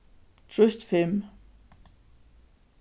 trýst fimm